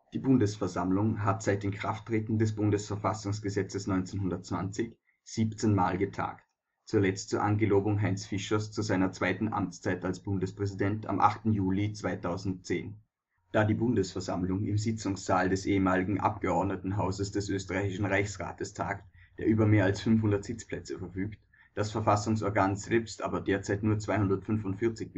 Die Bundesversammlung hat seit Inkrafttreten des Bundes-Verfassungsgesetzes 1920 17 Mal getagt, zuletzt zur Angelobung Heinz Fischers zu seiner zweiten Amtszeit als Bundespräsident am 8. Juli 2010. Da die Bundesversammlung im Sitzungssaal des ehemaligen Abgeordnetenhauses des österreichischen Reichsrates tagt, der über mehr als 500 Sitzplätze verfügt, das Verfassungsorgan selbst aber derzeit nur 245